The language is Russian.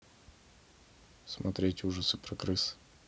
смотреть ужасы про крыс